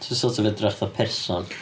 Sy sort of edrych fatha person.